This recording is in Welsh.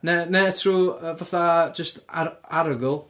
neu neu trwy yy fatha jyst ar- arogl,